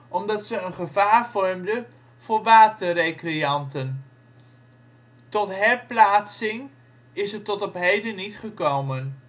omdat ze een gevaar vormden voor waterrecreanten. Tot herplaatsing is het tot op heden niet gekomen